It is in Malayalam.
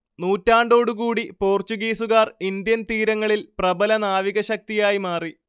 നൂറ്റാണ്ടോടുകൂടി പോർച്ചുഗീസുകാർ ഇന്ത്യൻതീരങ്ങളിൽ പ്രബല നാവികശക്തിയായി മാറി